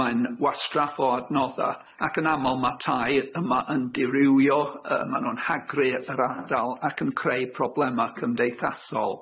Mae'n wastraff o adnodda ac yn amal ma' tai yma yn dirywio yy ma' nw'n hagru yr ardal ac yn creu problema cymdeithasol.